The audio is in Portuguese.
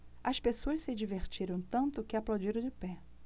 as pessoas se divertiram tanto que aplaudiram de pé